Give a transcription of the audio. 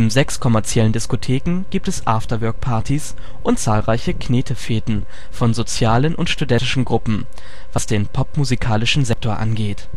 sechs kommerziellen Diskotheken gibt es After-Work-Parties und zahlreiche Knete-Feten von sozialen und studentischen Gruppen, was den popmusikalischen Sektor angeht